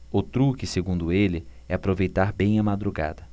o truque segundo ele é aproveitar bem a madrugada